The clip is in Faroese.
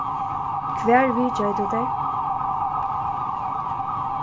hvar vitjaði tú tær